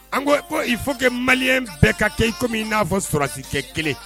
An ko ko i fo kɛ mali bɛɛ ka kɛ i komi min i n'a fɔ sɔlasi tɛ kelen